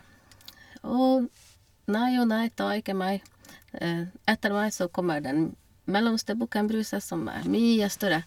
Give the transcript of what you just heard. Å nei og nei, ta ikke meg, etter meg så kommer den m mellomste bukken Bruse, som er mye større.